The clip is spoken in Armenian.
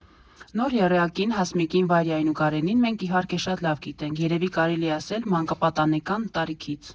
Նոր եռյակին՝ Հասմիկին, Վարյային ու Կարենին, մենք իհարկե շատ լավ գիտենք, երևի կարելի է ասել՝ մանկապատենական տարիքից։